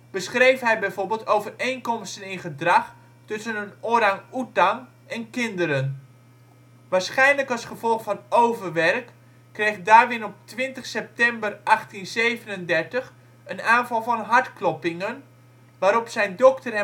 beschreef hij bijvoorbeeld overeenkomsten in gedrag tussen een orang-oetan en kinderen. Waarschijnlijk als gevolg van overwerk kreeg Darwin op 20 september 1837 een aanval van hartkloppingen, waarop zijn dokter